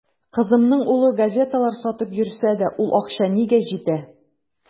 Кызымның улы газеталар сатып йөрсә дә, ул акча нигә җитә.